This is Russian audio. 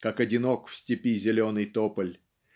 как одинок в степи зеленый тополь.